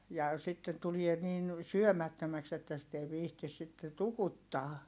ja sitten tulee niin syömättömäksi että sitä ei viitsi sitten tukuttaa